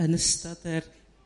yn ystod yr